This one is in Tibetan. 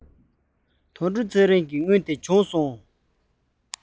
དོན གྲུབ ཚེ རིང གི དངུལ དེ བྱུང སོང ངས